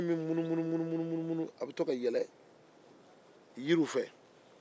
bara in bɛ munumunu ka yɛlɛn jiriw fɛ